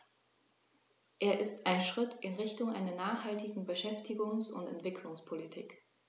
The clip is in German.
Er ist ein Schritt in Richtung einer nachhaltigen Beschäftigungs- und Entwicklungspolitik.